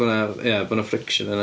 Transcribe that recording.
Wel ia bod yna friction yna.